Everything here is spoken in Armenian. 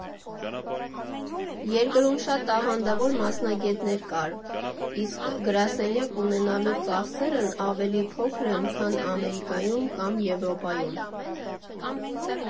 Երկրում շատ տաղանդավոր մասնագետներ կան, իսկ գրասենյակ ունենալու ծախսերն ավելի փոքր են, քան Ամերիկայում կամ Եվրոպայում։